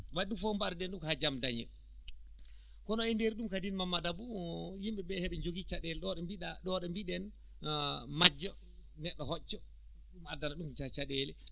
waɗi ɗum fof mbaruɗen ɗum ko haa jam dañee ko no e ndeer ɗum kadi Mamadou Abou yimɓe ɓe heɓe njogii caɗeele ɗo ɗo mbiiɗa ɗo ɗo mbiiɗen majjo neɗɗo hocca addana ɗum caɗeele